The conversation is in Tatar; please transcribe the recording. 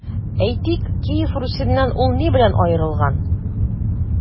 Әйтик, Киев Русеннан ул ни белән аерылган?